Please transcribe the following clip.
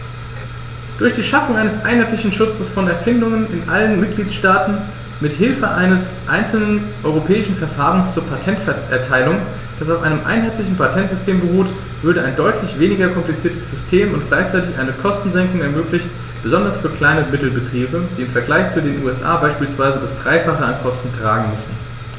Durch die Schaffung eines einheitlichen Schutzes von Erfindungen in allen Mitgliedstaaten mit Hilfe eines einzelnen europäischen Verfahrens zur Patenterteilung, das auf einem einheitlichen Patentsystem beruht, würde ein deutlich weniger kompliziertes System und gleichzeitig eine Kostensenkung ermöglicht, besonders für Klein- und Mittelbetriebe, die im Vergleich zu den USA beispielsweise das dreifache an Kosten tragen müssen.